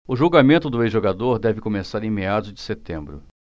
o julgamento do ex-jogador deve começar em meados de setembro